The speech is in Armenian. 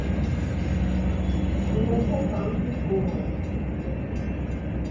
Ունեցեք կանխիկ գումար։